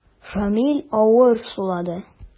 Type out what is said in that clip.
Шамил авыр сулады.